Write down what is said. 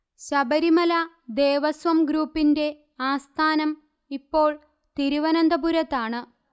ശബരിമല ദേവസ്വം ഗ്രൂപ്പിന്റെ ആസ്ഥാനം ഇപ്പോൾ തിരുവനന്തപുരത്താണ്